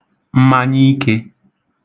mmanyiikē